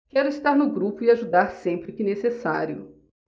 quero estar no grupo e ajudar sempre que necessário